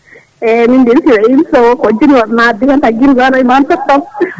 eyyi min belti e émission he ko Dimore naddi hen guila o ari o wi mami tottama